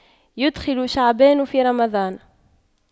يُدْخِلُ شعبان في رمضان